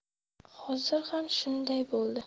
hozir ham shunday bo'ldi